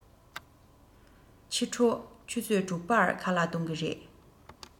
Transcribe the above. ཕྱི དྲོ ཆུ ཚོད དྲུག པར ཁ ལག གཏོང གི རེད